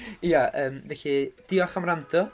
Ia ymm felly, diolch am wrando.